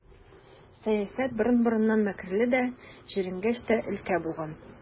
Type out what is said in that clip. Сәясәт борын-борыннан мәкерле дә, җирәнгеч тә өлкә булган.